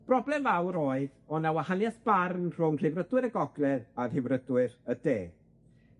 Broblem fawr oedd, o' 'na wahanieth barn rhwng Rhyddfrydwyr y Gogledd a Rhyddfrydwyr y De.